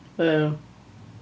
O iawn...